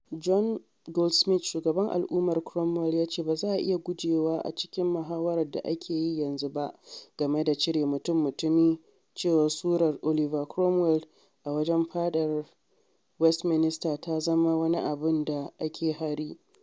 John Goldsmith, shugaban Al’ummar Cromwell, ya ce: “Ba za a iya gujewa a cikin mahawarar da ake yi yanzu ba game da cire mutum-mutumi cewa surar Oliver Cromwell a wajen Fadar Westminster za ta zama wani abin da ake hari.